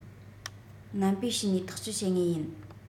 ནན པོས བྱས ནས ཐག གཅོད བྱེད ངོས ཡིན